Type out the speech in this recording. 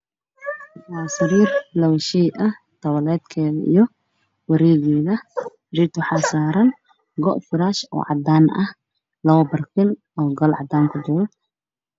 Waa sariir labo shay ah, tawleed iyo wareegeeda, sariirta waxaa saaran go firaash oo cadaan ah iyo labo barkin oo gal cadaan ah kujiro.